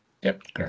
Ie grêt.